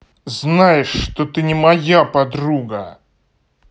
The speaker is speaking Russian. знаешь что ты не моя подруга